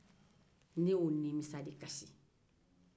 ne y'o nimisa de kasi